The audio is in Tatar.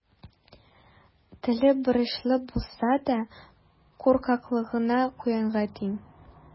Теле борычлы булса да, куркаклыгы куянга тиң.